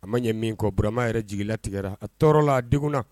A ma ɲɛ min kɔ, Burama yɛrɛ jigilatigɛra ,a tɔɔrɔ la, a degunna